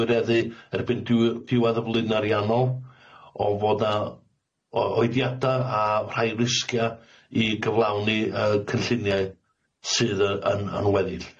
gwireddu erbyn diw- diwadd y flwyddyn ariannol o fod na o- oediada a rhai risgia i gyflawni yy cynlluniau sydd yy yn yn weddill.